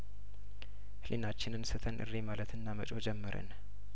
ህሊናችንን ስተን እሪ ማለትና መጮህ ጀመርን